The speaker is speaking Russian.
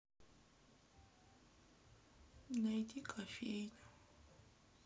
найди кофейню